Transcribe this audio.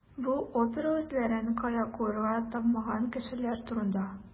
Бу опера үзләрен кая куярга тапмаган кешеләр турында.